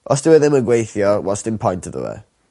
Os dyw e ddim yn gweithio wel sdim point iddo fe.